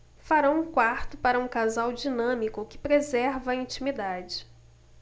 farão um quarto para um casal dinâmico que preserva a intimidade